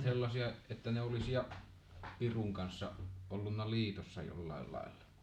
sellaisia että ne olisi pirun kanssa ollut liitossa jollakin lailla